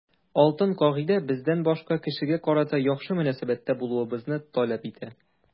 Алтын кагыйдә бездән башка кешегә карата яхшы мөнәсәбәттә булуыбызны таләп итә.